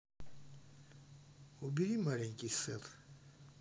убери маленький сет